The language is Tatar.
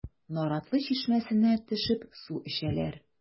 Наратлы чишмәсенә төшеп су эчәләр.